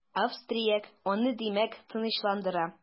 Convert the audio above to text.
Австрияк аны димәк, тынычландыра.